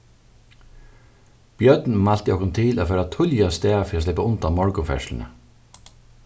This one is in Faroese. bjørn mælti okkum til at fara tíðliga avstað fyri at sleppa undan morgunferðsluni